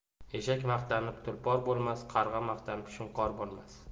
eshak maqtanib tulpor bo'lmas qarg'a maqtanib shunqor bo'lmas